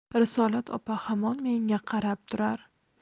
risolat opa hamon menga qarab turar